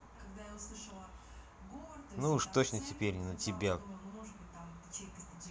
ну уж точно теперь не тебя